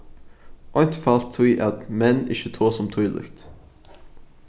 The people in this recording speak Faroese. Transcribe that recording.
einfalt tí at menn ikki tosa um tílíkt